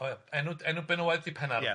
O ia, enw enw benywaidd ydi Penarddun?